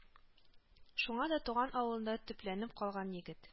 Шуңа да туган авылында төпләнеп калган егет